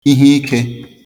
iheikē